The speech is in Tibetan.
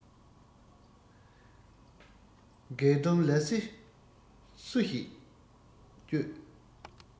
མགལ དུམ ལ ཤེ སུ ཞིག སྤྱོད